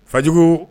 Fajugu